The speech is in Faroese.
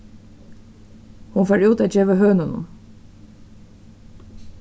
hon fór út at geva hønunum